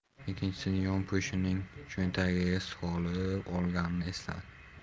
ikkinchisini yompo'shining cho'ntagiga solib olganini esladi